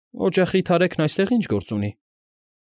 ֊ Օջախի թարեքն այստեղ ի՞նչ գործ ունի։